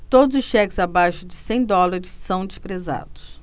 todos os cheques abaixo de cem dólares são desprezados